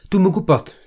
dwi'm yn gwbod.